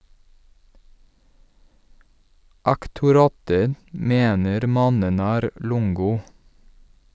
Aktoratet mener mannen er Longo.